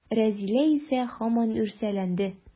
Рәзилә исә һаман үрсәләнде.